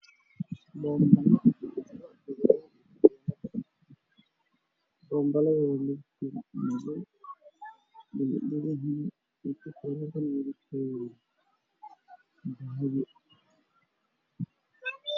Waa bambara midabkiisa yahay madow ka tiina dahabi ayaa qorta u saaran meesha u yaalla waa cadaan